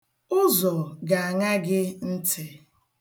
Ụzọ ga-aṅa gị ntị.